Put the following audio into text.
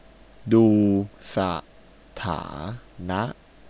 ดูสถานะ